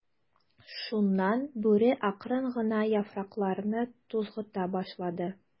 Шуннан Бүре акрын гына яфракларны тузгыта башлады.